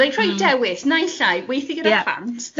Like rhoi dewis naill ai, weithio gyda... Ie